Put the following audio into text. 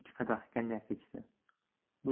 ikki qadah konyak ichdi